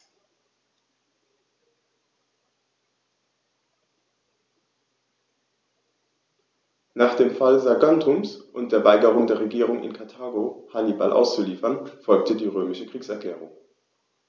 Nach dem Fall Saguntums und der Weigerung der Regierung in Karthago, Hannibal auszuliefern, folgte die römische Kriegserklärung.